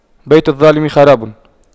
بيت الظالم خراب